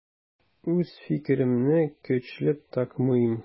Үз фикеремне көчләп такмыйм.